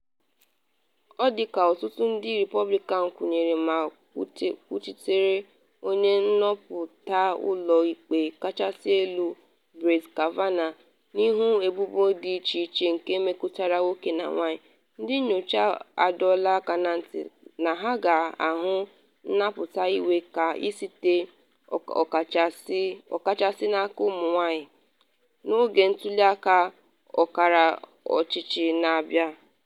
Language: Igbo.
Dị ka ọtụtụ ndị isi Repọblikan kwụnyere ma kwuchitere Onye nhọpụta Ụlọ Ikpe Kachasị Elu Brett Kavanaugh n’ihu ebubo dị iche iche nke mmekọrịta nwoke na nwanyị, ndị nyocha adọọla aka na ntị na ha ga-ahụ ndapụta iwe ga-esite ọkachasị n’aka ụmụ-nwanyị, n’oge ntuli aka ọkara ọchịchị na-abịa.